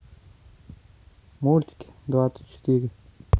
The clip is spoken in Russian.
мультики двадцать четыре